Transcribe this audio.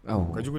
Jugu